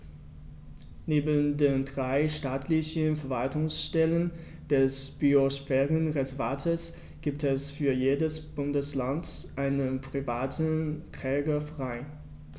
Neben den drei staatlichen Verwaltungsstellen des Biosphärenreservates gibt es für jedes Bundesland einen privaten Trägerverein.